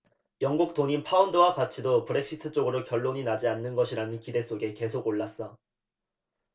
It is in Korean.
영국 돈인 파운드화 가치도 브렉시트 쪽으로 결론이 나지 않는 것이라는 기대 속에 계속 올랐어